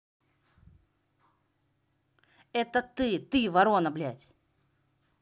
это ты ты ворона блядь